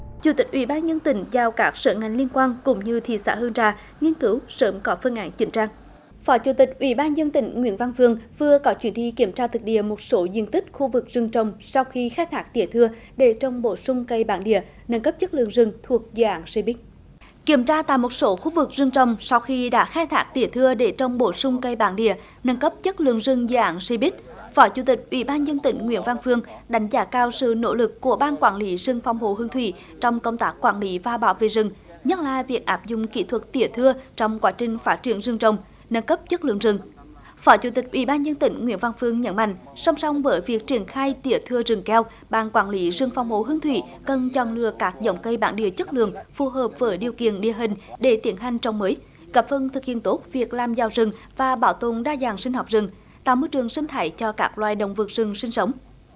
chủ tịch ủy ban nhân tỉnh giao các sở ngành liên quan cũng như thị xã hương trà nghiên cứu sớm có phương án chỉnh trang phó chủ tịch ủy ban dân tỉnh nguyễn văn phương vừa có chuyến đi kiểm tra thực địa một số diện tích khu vực rừng trồng sau khi khai thác tỉa thưa để trồng bổ sung cây bản địa nâng cấp chất lượng rừng thuộc dự án xê bít kiểm tra tại một số khu vực rừng trồng sau khi đã khai thác tỉa thưa để trồng bổ sung cây bản địa nâng cấp chất lượng rừng dự án xê bít phó chủ tịch ủy ban dân tỉnh nguyễn văn phương đánh giá cao sự nỗ lực của ban quản lý rừng phòng hộ hương thủy trong công tác quản lý và bảo vệ rừng nhất là việc áp dụng kỹ thuật tỉa thưa trong quá trình phát triển rừng trồng nâng cấp chất lượng rừng phó chủ tịch ủy ban dân tỉnh nguyễn văn phương nhấn mạnh song song với việc triển khai tỉa thưa rừng keo ban quản lý rừng phòng hộ hương thủy cần chọn lựa các giống cây bản địa chất lượng phù hợp với điều kiện địa hình để tiến hành trồng mới góp phần thực hiện tốt việc làm giàu rừng và bảo tồn đa dạng sinh học rừng tạo môi trường sinh thái cho các loài động vật rừng sinh sống